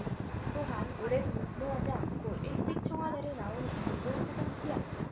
또한 오래 근무하지 않고 일찍 청와대를 나온 이유도 석연치 않다